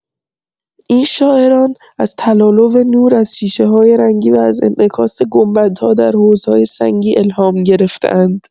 این شاعران، از تلالو نور از شیشه‌های رنگی و از انعکاس گنبدها در حوض‌های سنگی الهام گرفته‌اند.